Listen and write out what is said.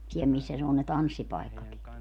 siellä missä ne on ne tanssipaikatkin